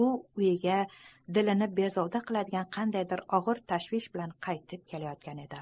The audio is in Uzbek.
u uyiga dilini bezovta qiladigan qandaydir og'ir tashvish bilan qaytib kelayotgan edi